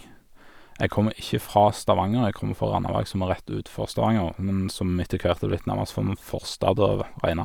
Jeg kommer ikke fra Stavanger, jeg kommer fra Randaberg, som er rett utfor Stavanger, men som etter hvert er blitt nærmest som en forstad å re regne.